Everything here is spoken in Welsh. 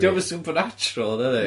Dio'm yn supernatural yndydi?